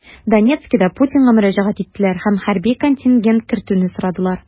Донецкида Путинга мөрәҗәгать иттеләр һәм хәрби контингент кертүне сорадылар.